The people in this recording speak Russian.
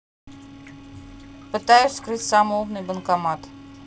пытаюсь вскрыть самый умный банкомат